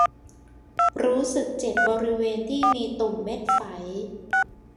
รู้สึกเจ็บบริเวณที่มีตุ่มเม็ดไฝ